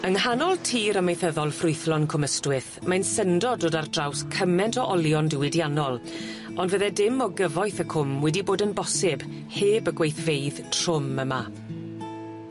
Yng nghanol tir amaethyddol ffrwythlon Cwm Ystwyth, mae'n syndod dod ar draws cyment o olion diwydiannol ond fydde dim o gyfoeth y cwm wedi bod yn bosib heb y gweithfeydd trwm yma.